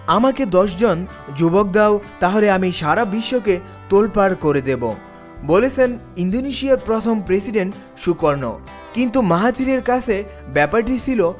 আমাকে দশজন যুবক দাও তাহলে আমি সারা বিশ্বকে তোলপাড় করে দেব বলেছেন ইন্দোনেশিয়ান প্রথম প্রেসিডেন্ট সুকর্ণ কিন্তু মাহাথিরের কাছে ব্যাপারটি ছিল